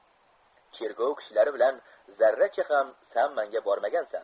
cherkov kishilari bilan zarracha ham san manga bormagansan